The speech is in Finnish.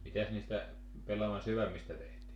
mitäs niistä pellavan sydämistä tehtiin